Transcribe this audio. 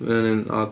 Mae o'n un od.